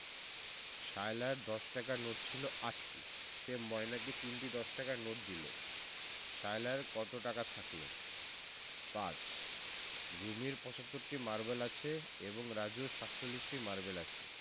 সায়লার দশ টাকার নোট ছিল ৮টি সে ময়নাকে ৩টি দশ টাকার নোট দিল সায়লার কত টাকা থাকল ৫ রুমির ৭৫টি মারবেল আছে এবং রাজুর ৪৭টি মারবেল আছে